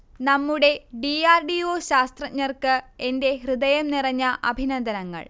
നമ്മുടെ D. R. D. O. ശാസ്ത്രജ്ഞർക്ക് എന്റെ ഹൃദയം നിറഞ്ഞ അഭിനന്ദങ്ങൾ